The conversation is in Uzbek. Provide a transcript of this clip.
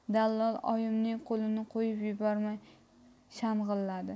dallol oyimning qo'lini qo'yib yubormay shang'illadi